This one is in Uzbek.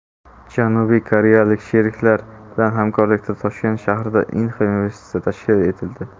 janubiy koreyalik sheriklar bilan hamkorlikda toshkent shahrida inxa universiteti tashkil etildi